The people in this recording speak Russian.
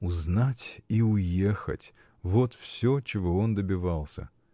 Узнать и уехать — вот всё, чего он добивался.